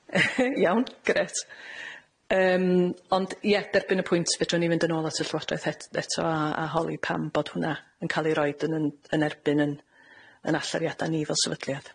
Iawn grêt. Yym, ond ia, derbyn y pwynt, fedrwn ni fynd yn ôl at y llywodraeth et- eto a a holi pam bod hwn'na yn ca'l 'i roid yn 'yn yn erbyn 'yn yn allyriada ni fel sefydliad.